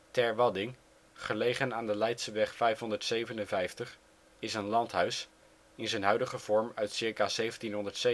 Ter Wadding, gelegen aan de Leidseweg 557, is een landhuis, in zijn huidige vorm uit ca. 1770